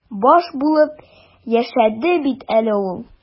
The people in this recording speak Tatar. Баш булып яшәде бит әле ул.